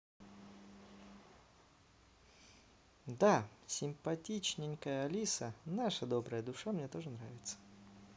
да симпатичненькая алиса наша добрая душа мне тоже нравится